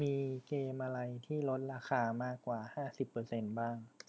มีเกมอะไรที่ลดราคามากกว่าห้าสิบเปอร์เซนต์บ้าง